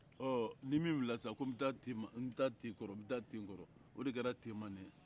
ɔ ni min wulila sisan ko n bɛ taa tema n bɛ taa nten kɔrɔ n bɛ taa nten kɔrɔ o de kɛra tema nin ye